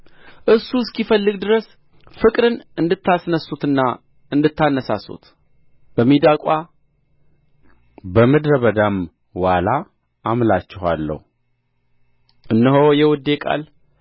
እርሱ እስኪፈልግ ድረስ ፍቅርን እንዳታስነሱትና እንዳታነሣሡት በሚዳቋ በምድረ በዳም ዋላ አምላችኋለሁ እነሆ የውዴ ቃል